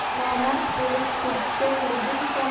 nomard bo'lib ko'pga kirguncha